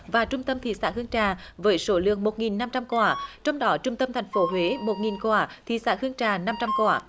và trung tâm thị xã hương trà với số lượng một nghìn năm trăm quả trong đó trung tâm thành phố huế một nghìn quả thị xã hương trà năm trăm quả